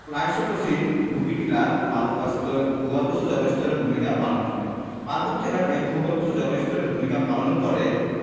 Pleistocene Dupi Tila বালুকাস্তর ভূগর্ভস্থ জলস্তরের ভূমিকা পালন করে পার্বত্য এলাকায় ভূগর্ভস্থ জলস্তরের ভূমিকা পালন করে